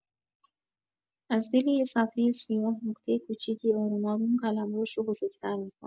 از دل یه صفحۀ سیاه، نقطۀ کوچیکی آروم آروم قلمروش رو بزرگتر می‌کنه.